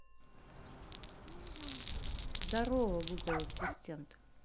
здорово google ассистент